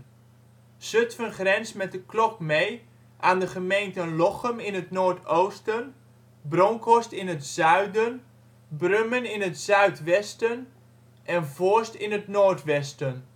Zutphen grenst, met de klok mee, aan de gemeenten Lochem in het noordoosten, Bronckhorst in het zuiden, Brummen in het zuidwesten en Voorst in het noordwesten